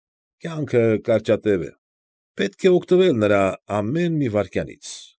Կյանքը կարճատև է, պետք է օգտվել նրա ամեն մի վայրկյանից։